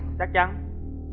chắc chắn